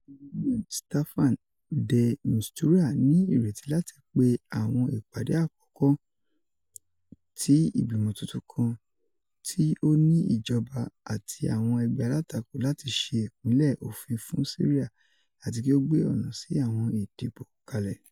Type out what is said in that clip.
Aṣoju UN Staffan de Mistura ni ireti lati pe awọn ipade akọkọ ti igbimọ tuntun kan ti o ni ijọba ati awọn ẹgbẹ alatako lati ṣe ipinlẹ ofin fun Siria ati ki o gbe ọna si awọn idibo kalẹ.